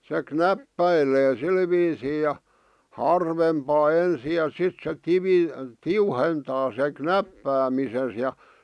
se knäppäilee sillä viisiin ja harvempaan ensin ja sitten se - tiuhentaa sen knäppäämisensä ja